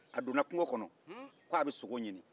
a donna kunko kɔnɔ ko a bɛ sogo ɲinin